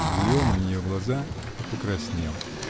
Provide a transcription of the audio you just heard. взвел на нее глаза -- и покраснел.